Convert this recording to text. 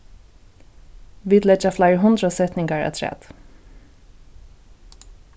vit leggja fleiri hundrað setningar afturat